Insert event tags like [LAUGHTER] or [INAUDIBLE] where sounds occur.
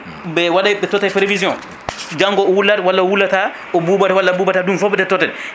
[SMACKS LIPS] ɓe waɗay ɓe tottay prévision janggo wuulat walla wuulata ko ɓuuɓat walla ɓuuɓata foof ɓe tottat